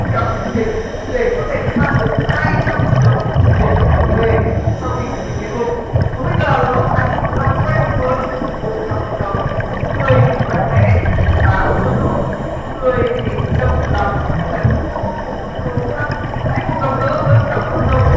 theo chương trình để có thể mang được hai trăm triệu đồng của chương trình về sau khi chương trình kết thúc và bây giờ là lúc hãy cùng làm quen với một cặp vợ chồng một người thì mạnh mẽ và sôi nổi một người thì trầm lắng nhưng lại vô cùng sâu sắc hãy cùng gặp gỡ với cặp vợ chồng